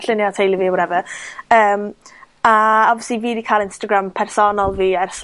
llunie teulu fi whatever, yym, a obviously fi 'di ca'l Instagram personol fi ers